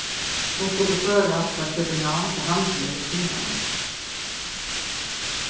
hon skuldi førast frá kjøpinhavn til handilin í tinganesi